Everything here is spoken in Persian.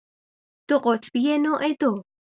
دوقطبی نوع دو